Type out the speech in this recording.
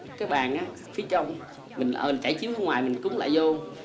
cái bàn á phía trong mình ờ trải chiếu ra ngoài mình cúng lạy vô